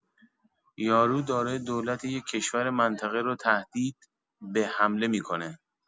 یارو داره دولت یه کشور منطقه رو تهدید به حمله می‌کنه.